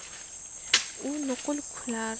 u nuqul kular